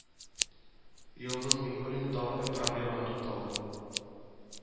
Йолдыз Миңнулллина тагын бер проблемага тукталды